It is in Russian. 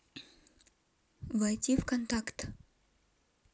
войти в контакт